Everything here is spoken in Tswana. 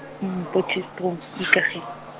Potchefstroom, Ikageng.